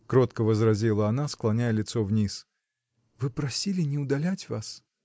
— кротко возразила она, склоняя лицо вниз. — Вы просили не удалять вас.